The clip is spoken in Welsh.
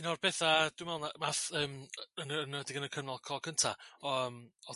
Un o'r petha' dwi'n me'l nath yym yn enwedig yn y cyfnod clo cynta' yym o'dd